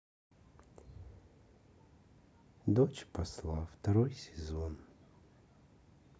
дочь посла второй сезон